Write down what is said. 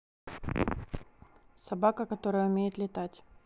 собака которая умеет летать